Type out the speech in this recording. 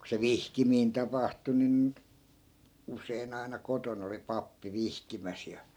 kun se vihkiminen tapahtui niin usein aina kotona oli pappi vihkimässä ja